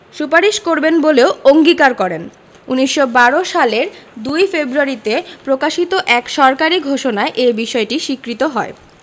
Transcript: সুপারিশ করবেন বলেও অঙ্গীকার করেন ১৯১২ সালের ২ ফেব্রুয়ারিতে প্রকাশিত এক সরকারি ঘোষণায় এ বিষয়টি স্বীকৃত হয়